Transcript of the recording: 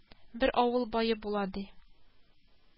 Бер авыл бае була ди